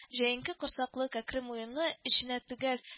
Җәенке корсаклы, кәкре муенлы, эченә төгәл